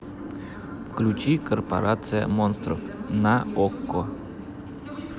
включи корпорация монстров на окко